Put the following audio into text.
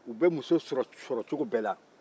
u bɛ muso sɔrɔcogo bɛɛ la